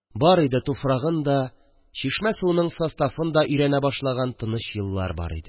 Бар иде, туфрагын да, чишмә суының составын да өйрәнә башлаган тыныч еллар бар иде